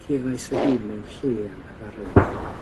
cefais fy hun mewn lle anghyfarwydd.